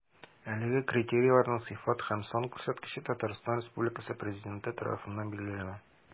Әлеге критерийларның сыйфат һәм сан күрсәткечләре Татарстан Республикасы Президенты тарафыннан билгеләнә.